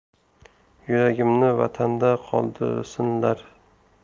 yuragimni vatanda qoldirsinlar